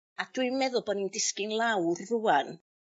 Ac dwi'n meddwl bo' ni'n disgyn lawr rŵan